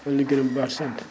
dolli gërëm bu baax sant